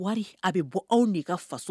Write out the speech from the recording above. Wari a bɛ bɔ aw de ka faso